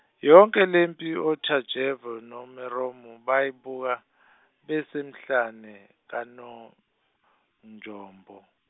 yonke lempi oTajevo noMeromo bayibuka, besemhlane, kaNo- nonjombo.